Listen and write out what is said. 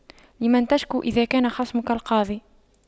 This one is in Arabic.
لمن تشكو إذا كان خصمك القاضي